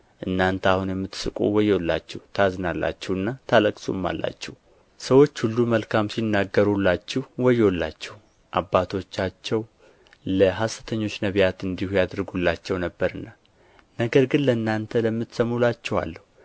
እናንተ አሁን የምትስቁ ወዮላችሁ ታዝናላችሁና ታለቅሱማላችሁ ሰዎች ሁሉ መልካም ሲናገሩላችሁ ወዮላችሁ አባቶቻቸው ለሐሰተኞች ነቢያት እንዲሁ ያደርጉላቸው ነበርና ነገር ግን ለእናንተ ለምትሰሙ እላችኋለሁ